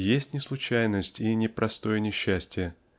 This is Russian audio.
есть не случайность и не простое несчастие